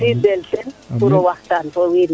ɓisidel teen pour o waxtaan fo wiin we